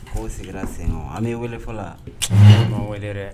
Ko sigira sen an ye wele fɔlɔ la wele dɛ